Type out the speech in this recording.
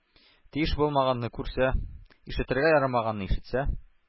Тиеш булмаганны күрсә, ишетергә ярамаганны ишетсә,